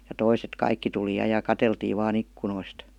ja toiset kaikki tuli ja ja katseltiin vain ikkunoista